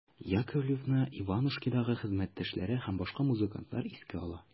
Яковлевны «Иванушки»дагы хезмәттәшләре һәм башка музыкантлар искә ала.